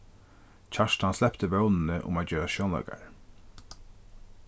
kjartan slepti vónini um at gerast sjónleikari